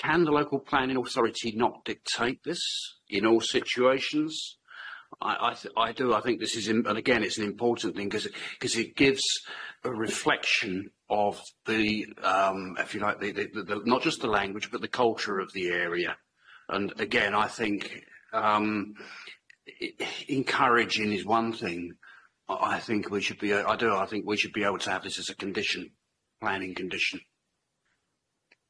Can the local planning authority not dictate this in all situations? I do, I think this is, and again, it's an important thing, because it gives a reflection of the yym if you like the the the not just the language but the culture of the area and again I think yym i- i- encouraging is one thing o- I think we should be o- I do I think we should be able to have this as a condition, planning condition.